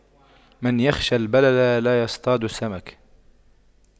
من يخشى البلل لا يصطاد السمك